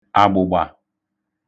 àgbụ̀gbà